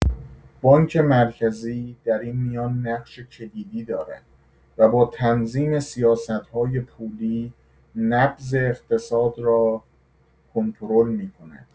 بانک مرکزی در این میان نقشی کلیدی دارد و با تنظیم سیاست‌های پولی، نبض اقتصاد را کنترل می‌کند.